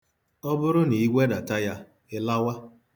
Ọ bụrụ na iwedata ya, ị lawa.